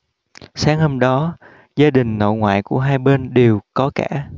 sáng hôm đó gia đình nội ngoại của hai bên đều có cả